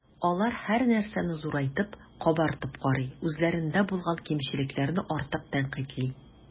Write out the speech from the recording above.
Алар һәрнәрсәне зурайтып, “кабартып” карый, үзләрендә булган кимчелекләрне артык тәнкыйтьли.